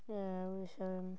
Ie weithia ddim.